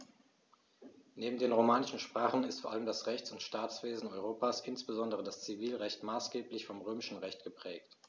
Neben den romanischen Sprachen ist vor allem das Rechts- und Staatswesen Europas, insbesondere das Zivilrecht, maßgeblich vom Römischen Recht geprägt.